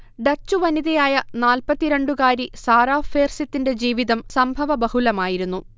Dutch വനിതയായ നാല്പ്പത്തിരണ്ട് കാരി സാറാ ഫേർസിത്തിന്റെ ജീവിതം സംഭവബഹുലമായിരുന്നു